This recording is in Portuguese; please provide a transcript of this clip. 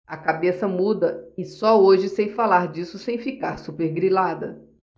a cabeça muda e só hoje sei falar disso sem ficar supergrilada